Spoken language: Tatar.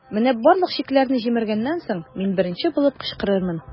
Менә барлык чикләрне җимергәннән соң, мин беренче булып кычкырырмын.